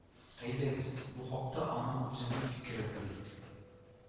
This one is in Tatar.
Әйдәгез, бу хакта аның үзенең фикерен белик